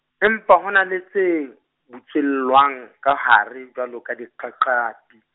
empa ho na le tse, butswellwang ka hare jwalo ka diqaqati.